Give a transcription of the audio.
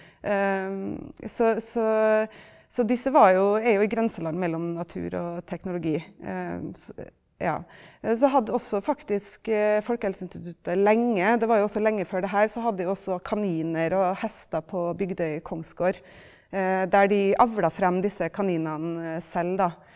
så så så disse var jo er jo i grenseland mellom natur og teknologi, så, ja så hadde også faktisk folkehelseinstituttet lenge det var jo også lenge før det her så hadde de også kaniner og hester på Bygdøy Kongsgård der de avla frem disse kaninene selv da.